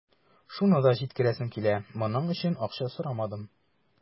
Шуны да җиткерәсем килә: моның өчен акча сорамадым.